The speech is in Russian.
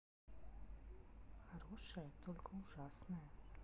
хорошая только ужасная